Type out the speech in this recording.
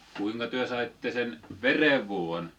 kuinka te saitte sen verenvuodon